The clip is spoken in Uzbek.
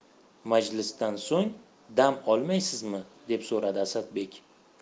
majlisdan so'ng dam olmaysizmi deb so'radi asadbek